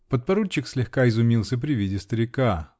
Подпоручик слегка изумился при виде старика.